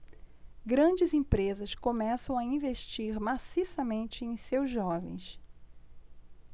grandes empresas começam a investir maciçamente em seus jovens